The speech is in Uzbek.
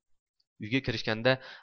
uyga kirishganda